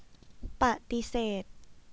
ปฏิเสธ